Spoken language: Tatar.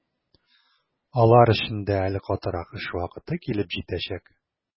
Алар өчен дә әле катырак эш вакыты килеп җитәчәк.